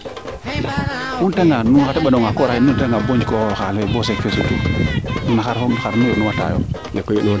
nu ngota nga nuun xa teɓanong xa kooraxe nu ndeta nga bo njikoox o xaal bo seek fee sutu xar nu yond nuwa taayo